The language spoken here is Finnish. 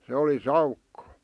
se oli saukko